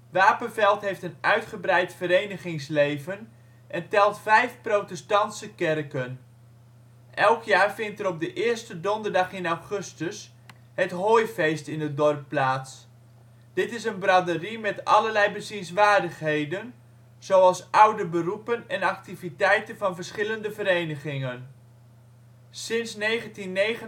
Wapenveld heeft een uitgebreid verenigingsleven en telt vijf protestantse kerken. Elk jaar vindt er op de eerste donderdag in augustus het " hooifeest " in het dorp plaats. Dit is een braderie met allerlei bezienswaardigheden zoals oude beroepen en activiteiten van verschillende verenigingen. Sinds 1989 vindt er